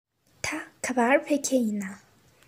ད ག པར ཕེབས མཁན ཡིན ན